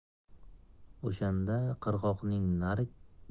o'shanda qirg'oqning narigi